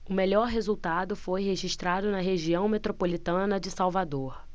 o melhor resultado foi registrado na região metropolitana de salvador